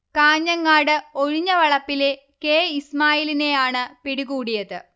കാഞ്ഞങ്ങാട് ഒഴിഞ്ഞവളപ്പിലെ കെ ഇസ്മായിലിനെയാണ് പിടികൂടിയത്